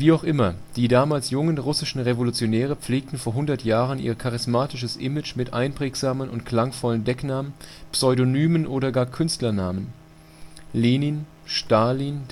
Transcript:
auch immer, die (damals jungen) russischen Revolutionäre pflegten vor hundert Jahren ihr charismatisches Image mit einprägsamen und klangvollen Decknamen, Pseudonymen oder gar Künstlernamen: Lenin, Stalin